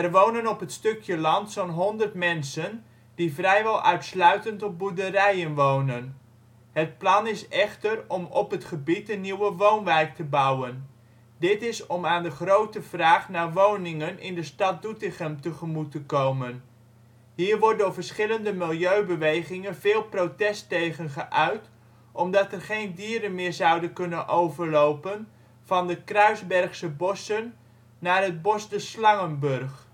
wonen op het stukje land zo 'n 100 mensen, die vrijwel uitsluitend op boerderijen wonen. Het plan is echter om op het gebied een nieuwe woonwijk te bouwen. Dit is om aan de grote vraag naar woningen in de stad Doetinchem tegemoet te komen. Hier wordt door verschillende millieubewegingen veel protest tegen geuit, omdat er geen dieren meer zouden kunnen overlopen van de Kruisbergse bossen naar het bos de Slangenburg